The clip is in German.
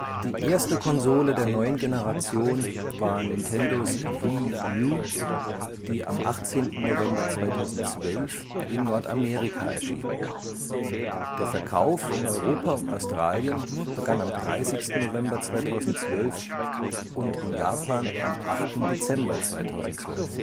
Die erste Konsole der neuen Generation war Nintendos Wii U, die am 18. November 2012 in Nordamerika erschien. Der Verkauf in Europa und Australien begann am 30. November 2012 und in Japan am 8. Dezember 2012